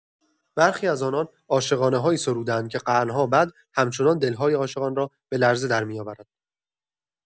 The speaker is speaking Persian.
برخی از آنان عاشقانه‌هایی سروده‌اند که قرن‌ها بعد همچنان دل‌های عاشقان را به لرزه درمی‌آورد.